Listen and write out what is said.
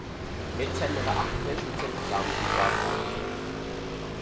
eg kenni hetta aftur sum kemur fram í frágreiðingini